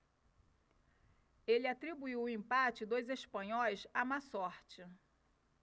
ele atribuiu o empate dos espanhóis à má sorte